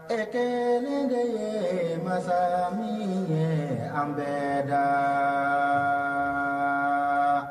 Ɛ kɛlen de ye mansa min ye an bɛ da